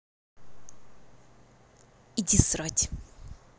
иди срать